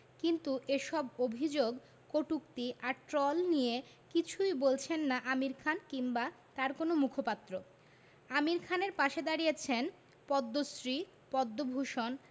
কিন্তু এসব অভিযোগ কটূক্তি আর ট্রল নিয়ে কিছুই বলছেন না আমির খান কিংবা তাঁর কোনো মুখপাত্রআমির খানের পাশে দাঁড়িয়েছেন পদ্মশ্রী পদ্মভূষণ